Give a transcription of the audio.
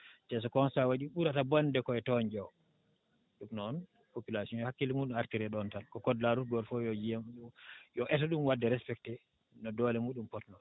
te so constat waɗi ɓurata bonde koye toñƴo oo ɗum noon population o yo hakkille mum artire e ɗon tan ko code de la route gooto fof yo janngu ɗum yo eto ɗum waɗde respecté no doole muɗum potnoo